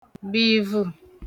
bìvù